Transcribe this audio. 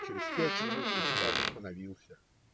Через пять минут экипаж остановился.